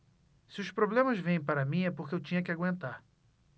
se os problemas vêm para mim é porque eu tinha que aguentar